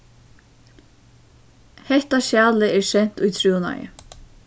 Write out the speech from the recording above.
hetta skjalið er sent í trúnaði